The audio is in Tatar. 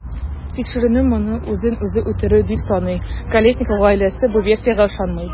Тикшеренү моны үзен-үзе үтерү дип саный, Колесников гаиләсе бу версиягә ышанмый.